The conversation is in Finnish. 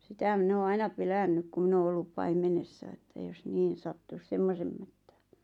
sitä minä olen aina pelännyt kun minä olen ollut paimenessa että jos niin sattuisi semmoisen mättään